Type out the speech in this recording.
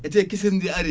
ete kesiridi ari